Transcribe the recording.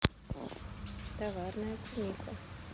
товарная кумико